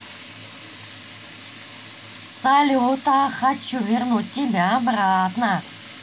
салют я хочу вернуть тебя обратно